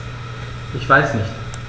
Ich weiß nicht.